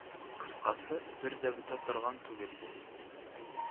Кыскасы, бер дә бетә торган түгел бу